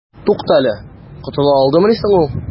Туктале, котыла алдымыни соң ул?